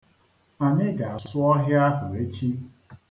Anyị ga-asụ ọhịa ahụ echi.